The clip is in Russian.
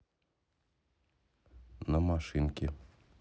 на машинки